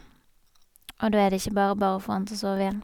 Og da er det ikke bare bare å få han til å sove igjen.